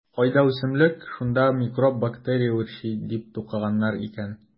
Кайда үсемлек - шунда микроб-бактерия үрчи, - дип тукыганнар икән.